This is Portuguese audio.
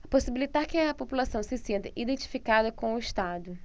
possibilitar que a população se sinta identificada com o estado